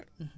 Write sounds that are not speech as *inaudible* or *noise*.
*hesitation* *hesitation*